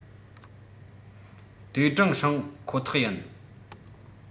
ཏུའུ ཀྲེང ཧྲེང ཁོ ཐག ཡིན